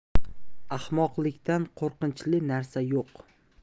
ahmoqlikdan qo'rqinchli narsa yo'q